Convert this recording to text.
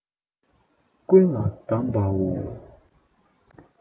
ཀུན ལ གདམས པ འོ